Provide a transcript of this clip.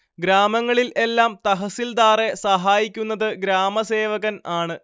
ഗ്രാമങ്ങളിൽ എല്ലാം തഹസിൽദാറെ സഹായിക്കുന്നത് ഗ്രാമസേവകൻ ആണ്